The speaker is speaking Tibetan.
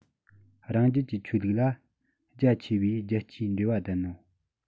རང རྒྱལ གྱི ཆོས ལུགས ལ རྒྱ ཆེ བའི རྒྱལ སྤྱིའི འབྲེལ བ ལྡན ནོ